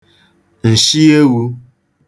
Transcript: ǹshị ewū